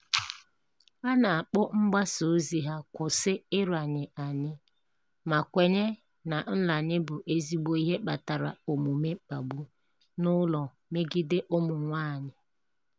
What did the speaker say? A na-akpọ mgbasa ozi ha "Kwụsị Ịranye Anyị" ma kwenye na nranye bụ ezigbo ihe kpatara omume mkpagbu n'ụlọ megide ụmụ nwaanyị.